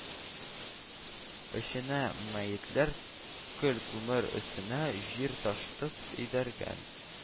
Эченә мәетләр, көл-күмер өстенә җир ташытып өйдергән